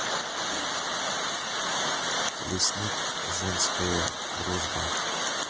лесник женская дружба